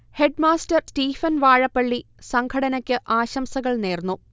headmaster Stephen Vazhappally സംഘടനയ്ക്ക് ആശംസകൾ നേർന്നു